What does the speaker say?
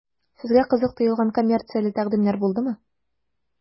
Сезгә кызык тоелган коммерцияле тәкъдимнәр булдымы?